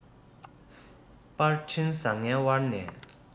པར འཕྲིན བཟང ངན དབར ནས